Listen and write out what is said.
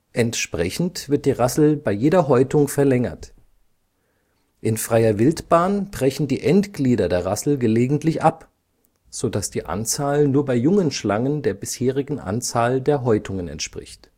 Entsprechend wird die Rassel bei jeder Häutung verlängert. In freier Wildbahn brechen die Endglieder der Rassel gelegentlich ab, sodass die Anzahl nur bei jungen Schlangen der bisherigen Anzahl der Häutungen entspricht